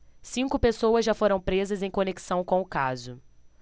cinco pessoas já foram presas em conexão com o caso